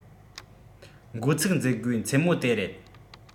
འགོ ཚུགས མཛད སྒོའི མཚན མོ དེ རེད